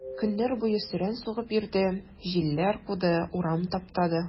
Көннәр буе сөрән сугып йөрде, җилләр куды, урам таптады.